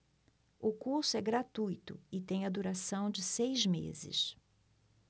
o curso é gratuito e tem a duração de seis meses